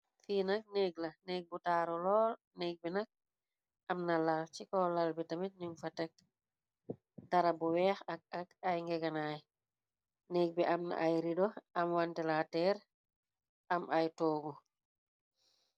fii nak négg la négg bu taaru loo neg bi nag am na lal ci kow lal bi tamit nuñ fa tëg darab bu weex akak ay ngeganaay négg bi am na ay rido am wante la teer am ay toogu.